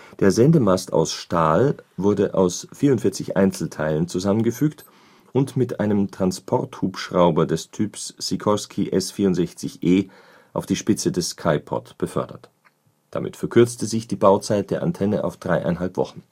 Der Sendemast aus Stahl wurde aus 44 Einzelteilen zusammengefügt und mit einem Transporthubschrauber des Typs Sikorsky S-64E auf die Spitze des Sky Pod befördert. Damit verkürzte sich die Bauzeit der Antenne auf dreieinhalb Wochen